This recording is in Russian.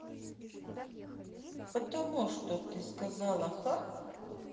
потому что ты сказала ха